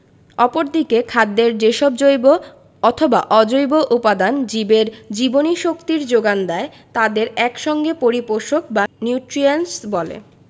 অপরদিকে খাদ্যের যেসব জৈব অথবা অজৈব উপাদান জীবের জীবনীশক্তির যোগান দেয় তাদের এক সঙ্গে পরিপোষক বা নিউট্রিয়েন্টস বলে